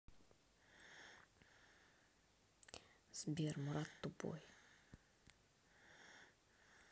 сбер мурат тупой